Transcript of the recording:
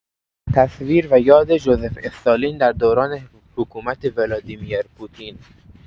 تصویر و یاد ژوزف استالین در دوران حکومت ولادیمیر پوتین